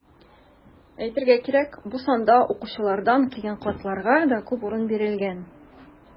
Әйтергә кирәк, бу санда укучылардан килгән хатларга күп урын бирелгән.